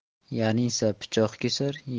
yanisa pichoq kesar